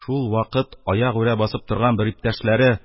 Ул вакыт аягүрә басып торган бер иптәшләре: